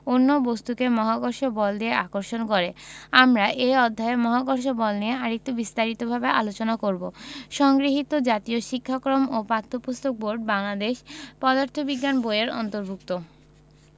অন্য বস্তুকে মহাকর্ষ বল দিয়ে আকর্ষণ করে আমরা এই অধ্যায়ে মহাকর্ষ বল নিয়ে আরেকটু বিস্তারিতভাবে আলোচনা করব সংগৃহীত জাতীয় শিক্ষাক্রম ও পাঠ্যপুস্তক বোর্ড বাংলাদেশ পদার্থ বিজ্ঞান বই এর অন্তর্ভুক্ত